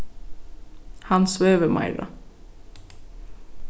hann svevur meira